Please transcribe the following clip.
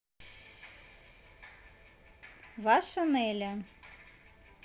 ваша неля